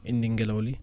indi ngelaw li